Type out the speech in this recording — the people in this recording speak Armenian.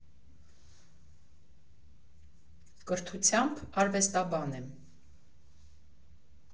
Կրթությամբ արվեստաբան եմ։